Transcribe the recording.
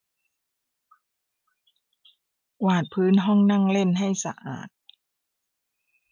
กวาดพื้นห้องนั่งเล่นให้สะอาด